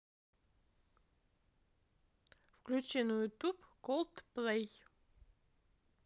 включи на ютуб колд плей